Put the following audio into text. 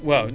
waaw